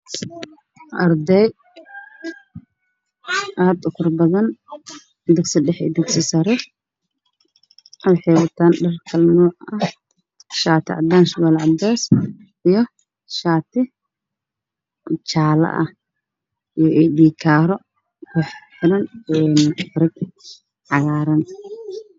Waa arday dugsi sare iyo dugsi hoose